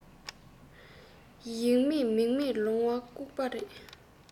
ཡིག མེད མིག མེད ལོང བ སྐུགས པ རེད